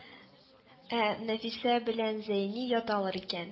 Ә, Нәфисә белән Зәйни яталар икән